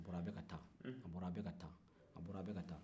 a bɔra a bɛ ka taa a bɔra a bɛ ka taa a bɔra a bɛ ka taa